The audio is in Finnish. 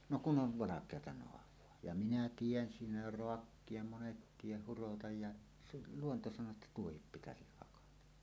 no kun on valkeaa naavaa ja minä teen siinä jo raakkia monet teen hurotan ja se luonto sanoo että tuohi pitäisi hakata